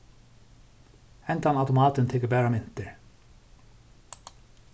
hendan automatin tekur bara myntir